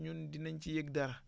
ñun dinañ ci yëg dara